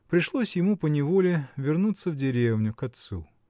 пришлось ему поневоле вернуться в деревню, к отцу.